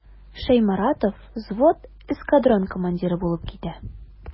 Шәйморатов взвод, эскадрон командиры булып китә.